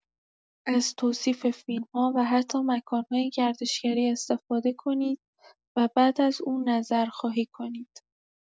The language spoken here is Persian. از توصیف فیلم‌ها و حتی مکان‌های گردشگری استفاده کنید و بعد از او نظرخواهی کنید.